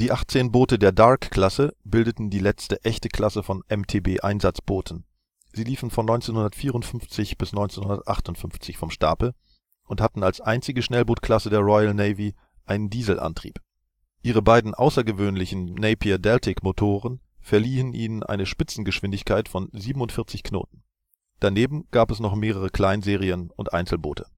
18 Boote der Dark-Klasse bildeten die letzte echte Klasse von MTB-Einsatzbooten. Sie liefen von 1954 bis 1958 vom Stapel und hatten als einzige Schnellbootklasse der Royal Navy einen Dieselantrieb. Ihre beiden außergewöhnlichen Napier Deltic Motoren verliehen ihnen eine Spitzengeschwindigkeit von 47 kn. Daneben gab es noch mehrere Kleinserien und Einzelboote